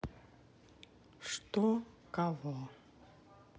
что кого